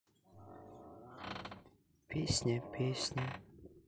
песня песня